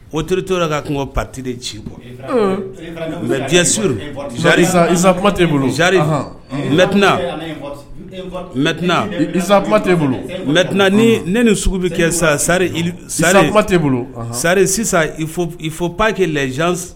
O teri to la ka kun patire ci bɔ mɛ diɲɛ suur zrizsakuma tɛ bolo zri mɛtina mɛtinazsakuma t tɛe bolo mɛtina ni ne ni sugu bɛ kɛ sari sarikuma tɛ bolo sari sisan fɔ paki z